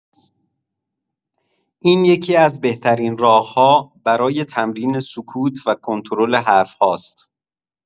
این یکی‌از بهترین راه‌ها برای تمرین سکوت و کنترل حرف‌ها است.